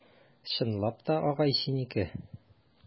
Чынлап та, агай, синеке?